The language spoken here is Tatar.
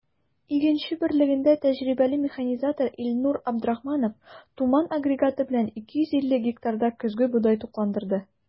“игенче” берлегендә тәҗрибәле механизатор илнур абдрахманов “туман” агрегаты белән 250 гектарда көзге бодай тукландырды.